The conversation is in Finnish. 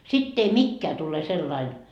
sitten ei mikään tule sellainen